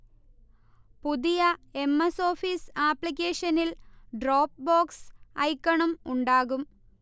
പുതിയ M. S. Office ആപ്ലിക്കേഷനിൽ Dropbox ഐക്കണും ഉണ്ടാകും